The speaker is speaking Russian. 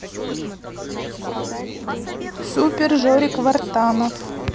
супер жорик вартанов